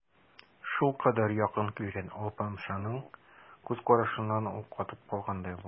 Шулкадәр якын килгән алпамшаның күз карашыннан ул катып калгандай булды.